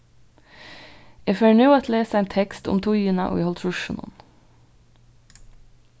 eg fari nú at lesa ein tekst um tíðina í hálvtrýssunum